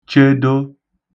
chedo